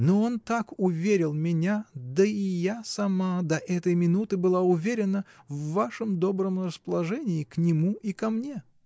Но он так уверил меня, да и я сама до этой минуты была уверена — в вашем добром расположении к нему и ко мне!